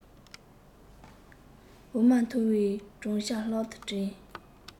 འོ མ འཐུང བའི བགྲང བྱ ལྷག ཏུ དྲན